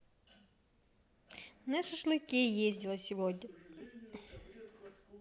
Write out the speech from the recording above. на шашлыки ездила сегодня